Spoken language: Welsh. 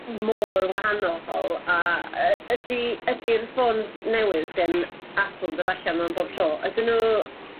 mor wahanol y- ydi ydi'r ffôns newydd gen Apple yn dod allan ma'n bob tro, ydyn nhw